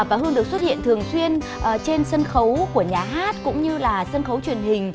và hương được xuất hiện thường xuyên ở trên sân khấu của nhà hát cũng như là sân khấu truyền hình